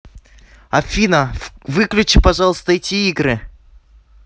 афина выключи пожалуйста эти игры